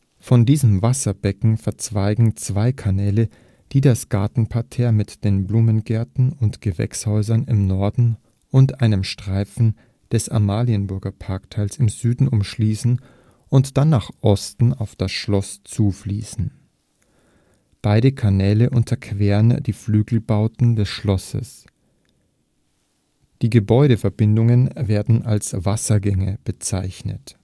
Von diesem Wasserbecken zweigen zwei Kanäle ab, die das Gartenparterre mit den Blumengärten und Gewächshäusern im Norden und einem Streifen des Amalienburger Parkteils im Süden umschließen und dann nach Osten auf das Schloss zufließen. Beide Kanäle unterqueren die Flügelbauten des Schlosses, die Gebäudeverbindungen werden als Wassergänge bezeichnet